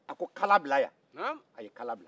a ko kala bila yan a ye kala bila